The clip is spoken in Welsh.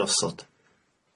gosod.